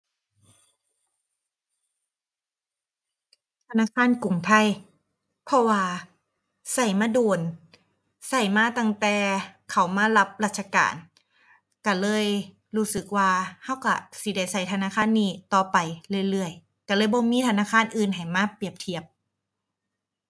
ธนาคารกรุงไทย เพราะว่าใช้มาโดน ใช้มาตั้งแต่เข้ามารับราชการ ใช้เลยรู้สึกว่าใช้ใช้สิได้ใช้ธนาคารต่อไปเรื่อยเรื่อย ใช้เลยบ่มีธนาคารอื่นให้มาเปรียบเทียบ